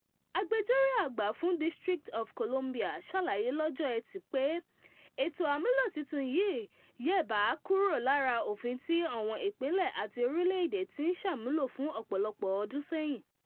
Agbẹjọ́rò àgbà fún District of Columbia ṣàlàyé lọ́jọ Ẹtì pé ètò àmúlò titun yìí yẹ̀ba kúrò lára ofin tí àwọn ìpínlẹ̀ àti orílẹ̀èdè ti ń ṣàmúlò fún ọ̀pọ̀lọpọ̀ ọdún sẹ́yìn."